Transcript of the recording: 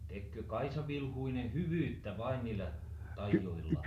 tekikö Kaisa Vilhuinen hyvyyttä vain niillä taioillaan